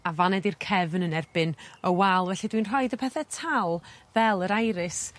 a fan 'e di'r cefn yn erbyn y wal felly dwi'n rhoid y pethe tal fel yr iris